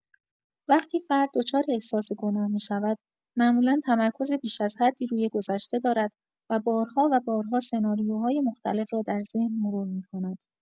وقتی فرد دچار احساس گناه می‌شود، معمولا تمرکز بیش از حدی روی گذشته دارد و بارها و بارها سناریوهای مختلف را در ذهن مرور می‌کند.